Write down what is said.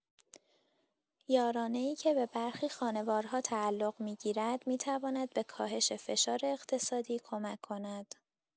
یارانه‌ای که به برخی خانوارها تعلق می‌گیرد، می‌تواند به کاهش فشار اقتصادی کمک کند.